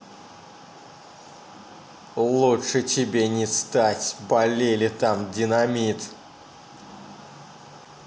лучше тебе не стать болели там динамит